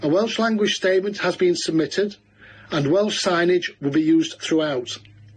A Welsh language statement has been submitted, and Welsh signage will be used throughout.